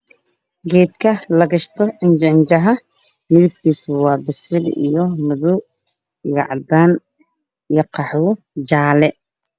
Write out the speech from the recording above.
Geedka la gashto cinjaha